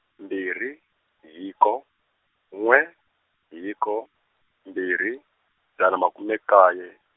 mbirhi hiko, n'we hiko, mbirhi, dzana makume nkaye.